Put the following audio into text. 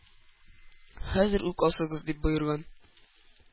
— хәзер үк асыгыз! — дип боерган.